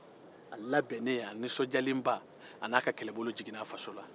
a labɛnnen nisɔndiyalenba n'a ka kɛlɛbolo jiginna so kɔnɔ